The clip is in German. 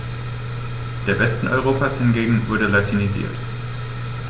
Der Westen Europas hingegen wurde latinisiert.